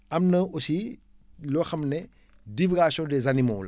am na aussi loo xam ne divigation des animaux la